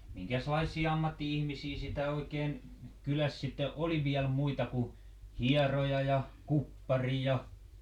minkäslaisia ammatti-ihmisiä sitä oikein kylässä sitten oli vielä muita kuin hieroja ja kuppari ja